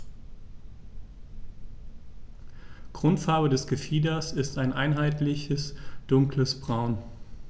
Grundfarbe des Gefieders ist ein einheitliches dunkles Braun.